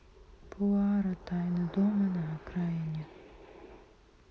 пуаро тайна дома на окраине